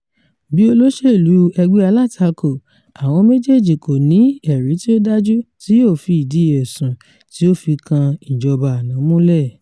Bí olóṣèlú ẹgbẹ́ alátakò, àwọn méjèèjì kò ní ẹ̀rí tí ó dájú tí yóò fi ìdí ẹ̀sùn tí ó fi kan ìjọba àná múlẹ̀.